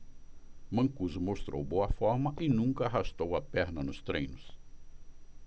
mancuso mostrou boa forma e nunca arrastou a perna nos treinos